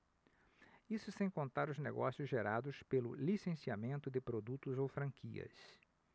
isso sem contar os negócios gerados pelo licenciamento de produtos ou franquias